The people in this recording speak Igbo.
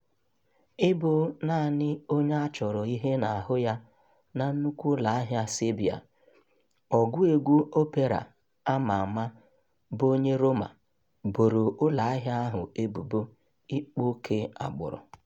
Ịbụ naanị onye a chọrọ ihe n'ahụ ya na nnukwu ụlọ ahịa Serbia, ọgụ egwu opera a ma ama bụ onye Roma boro ụlọ ahịa ahụ ebubo ịkpa ókè agbụrụ